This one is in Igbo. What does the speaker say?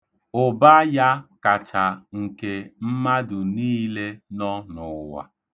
Ụba ya kacha nke mmadụ niile nọ n'ụwa.